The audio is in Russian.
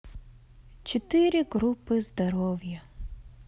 четыре группы здоровья